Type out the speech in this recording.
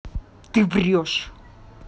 ты врешь